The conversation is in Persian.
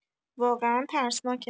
واقعا ترسناکه